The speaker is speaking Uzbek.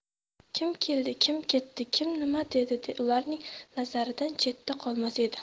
kim keldi kim ketdi kim nima dedi ularning nazaridan chetda qolmas edi